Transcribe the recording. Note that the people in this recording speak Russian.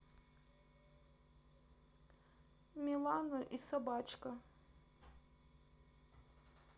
милана и собачка